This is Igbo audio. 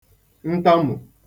ntamụ̀